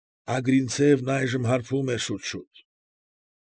Ագրինցևն այժմ հարբում էր շուտ֊շուտ։